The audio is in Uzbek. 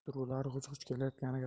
suruvlar g'uj g'uj kelayotganiga